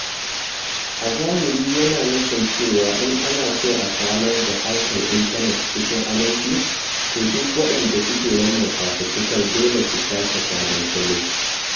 A zahiri, yana nufin cewa in ana so a samar da harkar intanet cikin aminci, to duk waɗanda suke wannan fafutukar dole su sake sabon salo.